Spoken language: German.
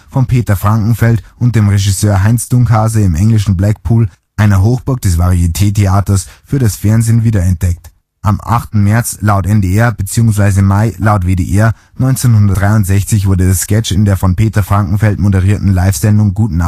von Peter Frankenfeld und dem Regisseur Heinz Dunkhase im englischen Blackpool, einer Hochburg des Varieté-Theaters, für das Fernsehen wiederentdeckt. Am 8. März (laut NDR) bzw. Mai (laut WDR) 1963 wurde der Sketch in der von Peter Frankenfeld moderierten Live-Sendung Guten